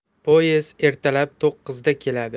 poyezd ertalab to'qqizda keladi